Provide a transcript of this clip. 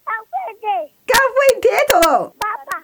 A kago den